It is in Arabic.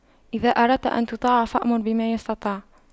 إذا أردت أن تطاع فأمر بما يستطاع